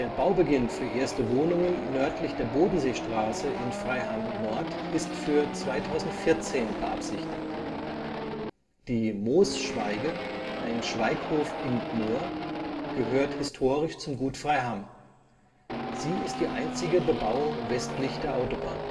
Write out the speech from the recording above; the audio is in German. Baubeginn für erste Wohnungen nördlich der Bodenseestraße in Freiham-Nord ist für 2014 beabsichtigt. Die Moosschwaige, ein Schwaighof im Moor, gehört historisch zum Gut Freiham. Sie ist die einzige Bebauung westlich der Autobahn